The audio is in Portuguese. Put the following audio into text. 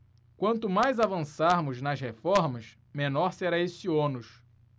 quanto mais avançarmos nas reformas menor será esse ônus